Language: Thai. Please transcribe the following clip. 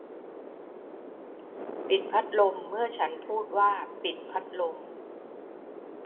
ปิดพัดลมเมื่อฉันพูดว่าปิดพัดลม